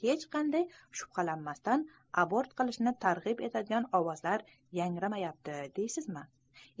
hech qanday ishtiboh qilmasdan abort qilishni targ'ib etadigan ovozlar yangramayapti deysizmi